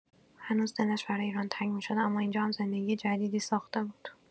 هنوز دلش برای ایران تنگ می‌شد، اما اینجا هم زندگی جدیدی ساخته بود.